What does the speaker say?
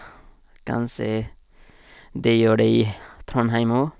Kanskje det gjør det i Trondheim òg.